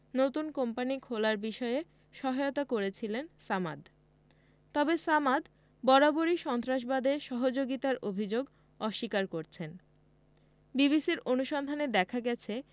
নতুন কোম্পানি খোলার বিষয়ে সহায়তা করেছিলেন সামাদ তবে সামাদ বারবারই সন্ত্রাসবাদে সহযোগিতার অভিযোগ অস্বীকার করছেন বিবিসির অনুসন্ধানে দেখা গেছে